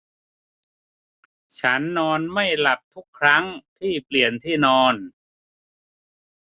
ฉันนอนไม่หลับทุกครั้งที่เปลี่ยนที่นอน